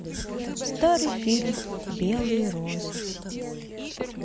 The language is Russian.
старый фильм белые розы